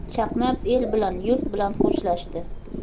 chaqnab el bilan yurt bilan xo'shlashdi